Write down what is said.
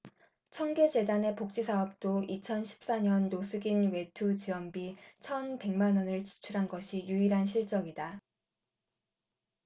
청계재단의 복지사업도 이천 십 사 년 노숙인 외투 지원비 천 백 만원을 지출한 것이 유일한 실적이다